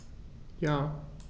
Ja.